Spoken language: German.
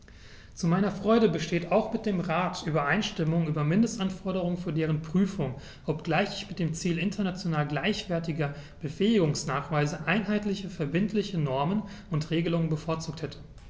Zu meiner Freude besteht auch mit dem Rat Übereinstimmung über Mindestanforderungen für deren Prüfung, obgleich ich mit dem Ziel international gleichwertiger Befähigungsnachweise einheitliche verbindliche Normen und Regelungen bevorzugt hätte.